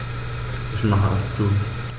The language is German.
Ich mache es zu.